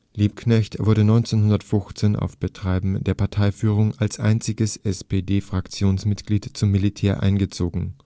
Liebknecht wurde 1915 auf Betreiben der Parteiführung als einziges SPD-Fraktionsmitglied zum Militär eingezogen